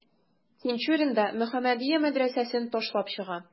Тинчурин да «Мөхәммәдия» мәдрәсәсен ташлап чыга.